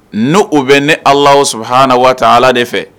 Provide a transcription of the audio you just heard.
Ne o bɛ ne ala sɔrɔ hana waa ala de fɛ